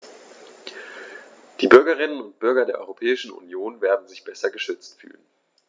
Die Bürgerinnen und Bürger der Europäischen Union werden sich besser geschützt fühlen.